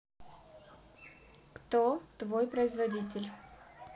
кто твой производитель